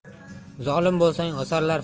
zolim bo'lsang osarlar